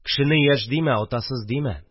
Кешене яшь димә, атасыз димә